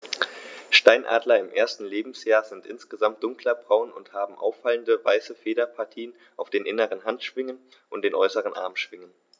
Steinadler im ersten Lebensjahr sind insgesamt dunkler braun und haben auffallende, weiße Federpartien auf den inneren Handschwingen und den äußeren Armschwingen.